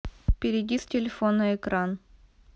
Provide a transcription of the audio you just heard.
перейди с телефона экран